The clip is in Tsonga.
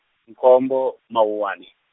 nkombo Mawuwani.